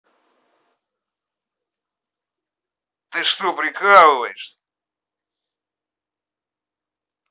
ты что прикалываешься